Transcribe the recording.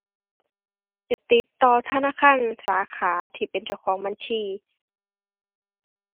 ไปติดต่อธนาคารสาขาที่เป็นเจ้าของบัญชี